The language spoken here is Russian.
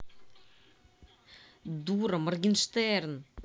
дура моргенштерн